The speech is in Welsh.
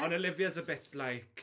Ond Olivia's a bit like...